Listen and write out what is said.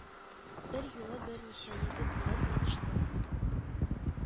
Берьюлы берничә егет белән языштым